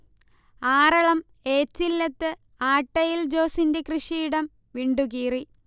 ആറളം ഏച്ചില്ലത്ത് ആട്ടയിൽ ജോസിന്റെ കൃഷിയിടം വിണ്ടുകീറി